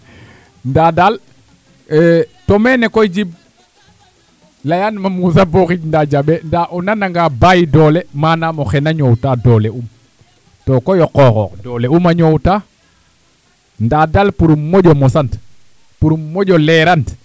ndaa daal to meene koy Djiby layanum a Moussa bo xij ndaa jaɓee ndaa o nananga baay doole manaam oxe na ñoowta doole um too koy o qoxoox doole um a ñoowta ndaa daal pour im moƴo mosan pour moƴo leeran